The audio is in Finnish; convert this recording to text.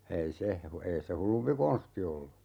ei se - ei se hullumpi konsti ollut